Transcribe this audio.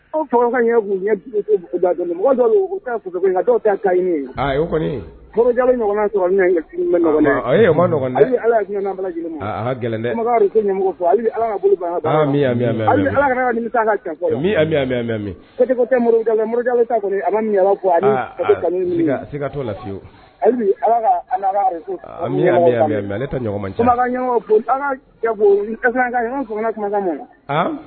Ka gɛlɛn la